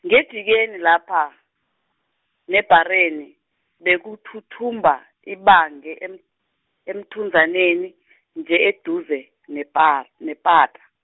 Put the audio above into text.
ngejikeni lapha, nebhareni, bekuthuthumba ibange em- emthunzaneni, nje eduze nepa- nepata.